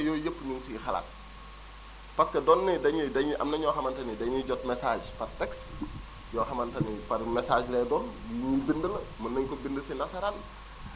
wante yooyu yëpp ñu ngi siy xalaat parce que doo ne dañuy dañuy am na ñoo xamante ni dañuy jot message par texte yoo xamante ni par message lay doon bu ñu bind la mën nañu ko bind si nasaraan